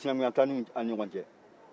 o y'a sɔrɔ sinakunya t'an ni ɲɔgɔn cɛ